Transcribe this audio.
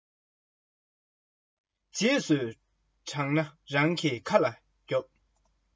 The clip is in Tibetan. རྗེས སུ དྲན ན རང གི ཁ ལ རྒྱོབ